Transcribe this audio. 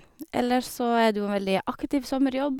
Eller så er det jo en veldig aktiv sommerjobb.